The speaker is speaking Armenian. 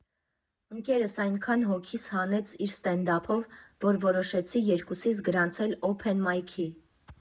Ընկերս այնքան հոգիս հանեց իր սթենդափով, որ որոշեցի երկուսիս գրանցել օփեն մայքի։